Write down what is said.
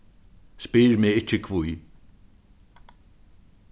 spyr meg ikki hví